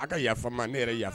A ka yafama ne yɛrɛ yafa